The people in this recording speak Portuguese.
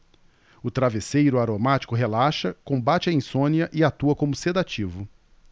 o travesseiro aromático relaxa combate a insônia e atua como sedativo